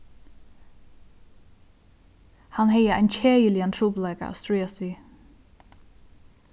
hann hevði ein keðiligan trupulleika at stríðast við